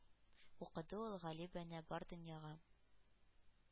Укыды ул галибанә бар дөньяга.